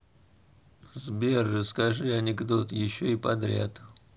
сбер расскажи анекдот еще и подряд